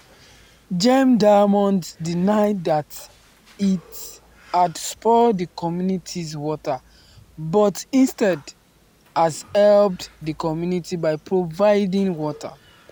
Gem Diamonds denied that it had spoiled the community’s water but instead has helped the community by providing water.